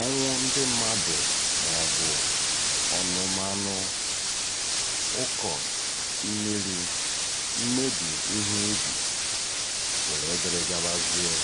ọnwụ ndị mmadụ mọọbụ anụmanụ, ụkọ mmiri, mmebi ihe ubi, wdg.